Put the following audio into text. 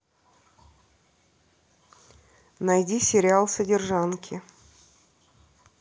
найди сериал содержанки